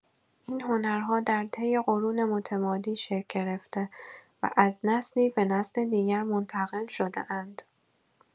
این هنرها در طی قرون متمادی شکل گرفته و از نسلی به نسل دیگر منتقل شده‌اند.